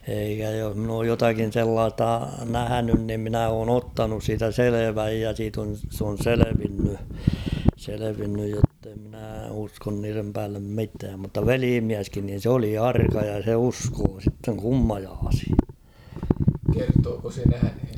eikä jos minä olen jotakin sellaista nähnyt niin minä olen ottanut siitä selvän ja siitä on se on selvinnyt selvinnyt jotta en minä usko niiden päälle mitään mutta velimieskin niin se oli arka ja se uskoi sitten kummajaisiin